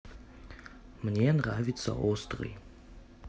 мне нравится острый